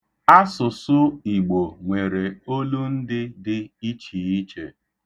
Asụsụ Igbo nwere olundị dị ichiiche